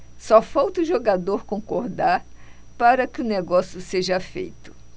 só falta o jogador concordar para que o negócio seja feito